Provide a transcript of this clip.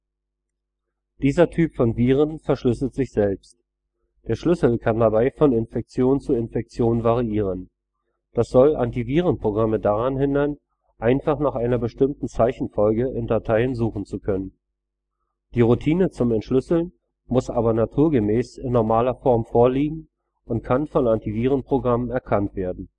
Dieser Typ von Viren verschlüsselt sich selbst. Der Schlüssel kann dabei von Infektion zu Infektion variieren. Das soll Antivirenprogramme daran hindern, einfach nach einer bestimmten Zeichenfolge in Dateien suchen zu können. Die Routine zum Entschlüsseln muss aber naturgemäß in normaler Form vorliegen und kann von Antivirenprogrammen erkannt werden